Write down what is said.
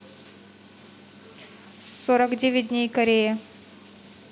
сорок девять дней корея